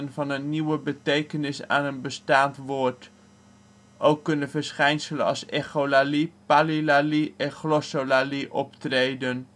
van een nieuwe betekenis aan een bestaand woord. Ook kunnen verschijnselen als echolalie, palilalie en glossolalie optreden